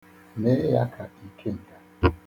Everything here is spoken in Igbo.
Mee ya ka ikenga.